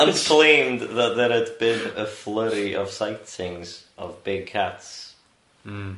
And claimed that there had been a flurry of sightings of big cats... Hmm.